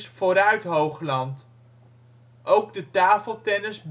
vooruit Hoogland) Ook de tafeltennis